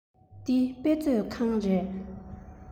འདི དཔེ མཛོད ཁང རེད